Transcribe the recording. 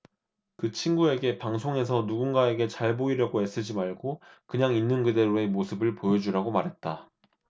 그 친구에게 방송에서 누군가에게 잘 보이려고 애쓰지 말고 그냥 있는 그대로의 모습을 보여 주라고 말했다